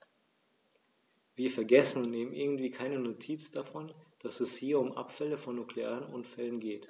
Wir vergessen, und nehmen irgendwie keine Notiz davon, dass es hier um Abfälle von nuklearen Unfällen geht.